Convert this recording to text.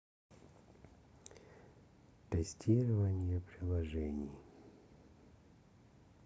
тестирование приложений